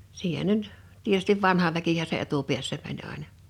siihen ne nyt tietysti vanha väkihän se etupäässä meni aina